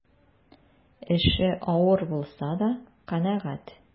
Эше авыр булса да канәгать.